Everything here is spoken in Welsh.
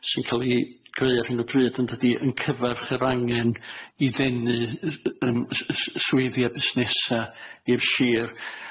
sy'n ca'l 'i greu ar hyn o bryd yn dydi, yn cyfarch yr angen i ddenu yr y yym y s- y s- y swyddi a busnesa' i'r shir.